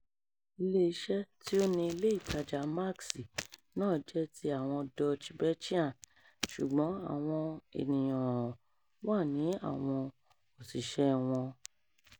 Ilé-iṣẹ́ [tí ó ni ilé ìtajà Maxi] náà jẹ́ ti àwọn Dutch-Belgian ṣùgbọ́n àwọn ènìyàn-an wa ni àwọn òṣìṣẹ́ẹ wọn!